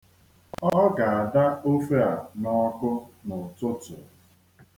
Ọ ga-ada ofe a n'ọkụ n'ụtụtụ.